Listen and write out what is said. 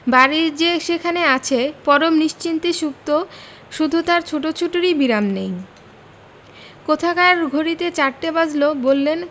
বাড়ির যে সেখানে আছে পরম নিশ্চিন্তে সুপ্ত শুধু তাঁর ছুটোছুটিরই বিরাম নেই কোথাকার ঘড়িতে চারটে বাজলো বললেন